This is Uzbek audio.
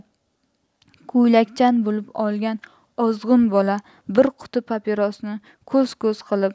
ko'ylakchan bo'lib olgan ozg'in bola bir pachka papirosni ko'z ko'z qilib